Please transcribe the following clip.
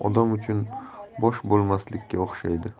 odam uchun bosh bo'lmaslikka o'xshaydi